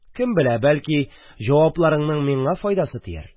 Кем белә, бәлки, җавапларыңның миңа файдасы тияр...